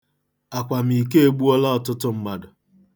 Akwamiko egbuola ọtụtụ mmadụ.